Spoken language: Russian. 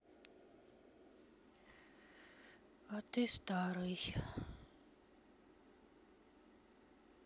а ты старый